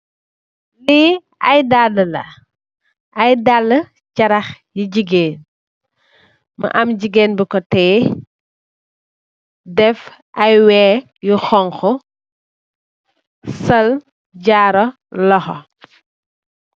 Lii ay daalë la, ay daalë charax yu jigéen mu am jigéen bu ko tiye, def ay wee yu xoñgu, sol jaaru loxo.